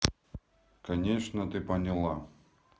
конечно ты поняла